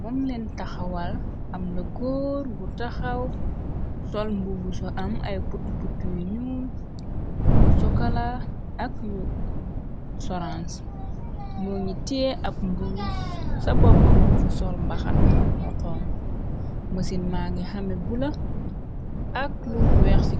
moom leen taxawal am na góor gu taxaw sol mbubu su am ay put put yu ñuul yu sokala ak yu soranc moo ni tee ab mbu ca bobba mun fa sol mbaxana mu xon mësin mangi xame bula ak louuj weexc.